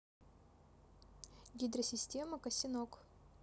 гидросистема касинок